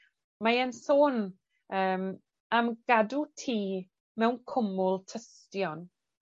mae e'n sôn yym am gadw tŷ mewn cwmwl tystion.